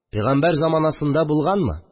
Пәйгамбәр заманасында булганмы